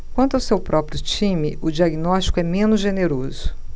quanto ao seu próprio time o diagnóstico é menos generoso